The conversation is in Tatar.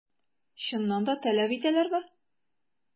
Чыннан да таләп итәләрме?